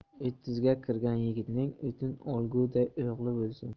o'ttizga kirgan yigitning o'tin olguday o'g'li bo'lsin